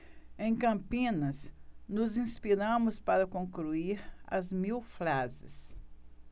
em campinas nos inspiramos para concluir as mil frases